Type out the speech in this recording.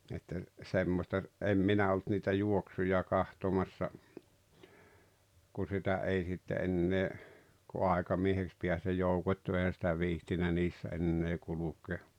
että semmoista en minä ollut niitä juoksuja katsomassa kun sitä ei sitten enää kun aikamieheksi pääsi ja joukottui eihän sitä viitsinyt niissä enää kulkea